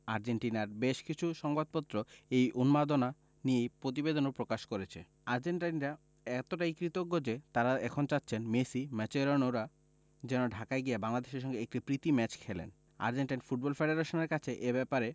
আর্জেন্টিনার বেশ কিছু সংবাদপত্র এই উন্মাদনা নিয়ে প্রতিবেদনও প্রকাশ করেছে আর্জেন্টাইনরা এতটাই কৃতজ্ঞ যে তাঁরা এখন চাচ্ছেন মেসি মাচেরানোরা যেন ঢাকায় গিয়ে বাংলাদেশের সঙ্গে একটি প্রীতি ম্যাচ খেলেন আর্জেন্টাইন ফুটবল ফেডারেশনের কাছে এ ব্যাপারে